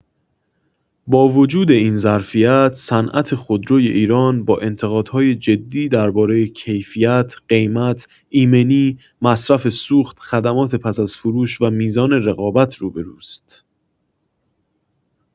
با وجود این ظرفیت، صنعت خودروی ایران با انتقادهای جدی درباره کیفیت، قیمت، ایمنی، مصرف سوخت، خدمات پس از فروش و میزان رقابت روبه‌روست.